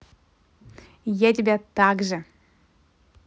я тебе также